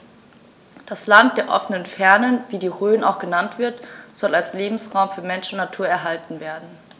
Das „Land der offenen Fernen“, wie die Rhön auch genannt wird, soll als Lebensraum für Mensch und Natur erhalten werden.